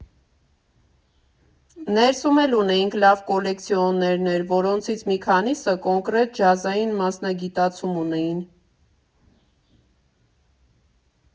Ներսում էլ ունեինք լավ կոլեկցիոներներ, որոնցից մի քանիսը կոնկրետ ջազային մասնագիտացում ունեին։